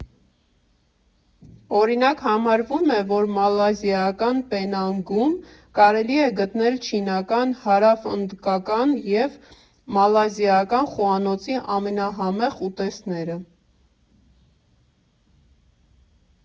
Օրինակ, համարվում է, որ մալազիական Պենանգում կարելի է գտնել չինական, հարավհնդկական և մալազիական խոհանոցի ամենահամեղ ուտեստները։